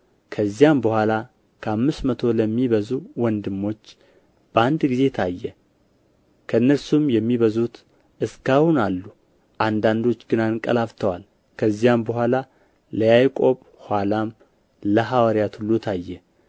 ከዚያም በኋላ ከአምስት መቶ ለሚበዙ ወንድሞች በአንድ ጊዜ ታየ ከእነርሱም የሚበዙቱ እስከ አሁን አሉ አንዳንዶች ግን አንቀላፍተዋል ከዚያም በኋላ ለያዕቆብ ኋላም ለሐዋርያት ሁሉ ታየ